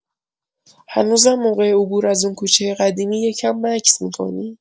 هنوزم موقع عبور از اون کوچه قدیمی یه کم مکث می‌کنی؟